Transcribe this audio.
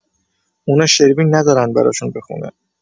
اونا شروین ندارن براشون بخونه